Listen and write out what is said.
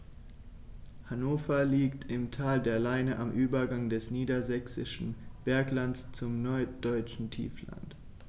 Hannover liegt im Tal der Leine am Übergang des Niedersächsischen Berglands zum Norddeutschen Tiefland.